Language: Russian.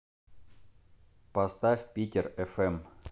поставь питер фм